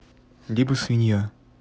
либо свинья